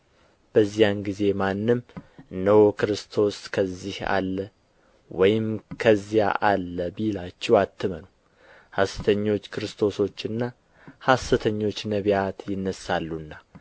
በዚያን ጊዜ ማንም እነሆ ክርስቶስ ከዚህ አለ ወይም ከዚያ አለ ቢላችሁ አትመኑ ሐሰተኞች ክርስቶሶችና ሐሰተኞች ነቢያት ይነሣሉና